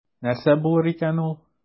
Нәрсә булыр икән ул?